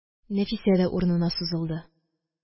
Нәфисә дә урынына сузылды